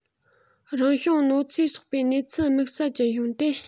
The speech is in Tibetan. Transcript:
རང བྱུང གནོད འཚེ སོགས པའི གནས ཚུལ དམིགས བསལ ཅན བྱུང སྟེ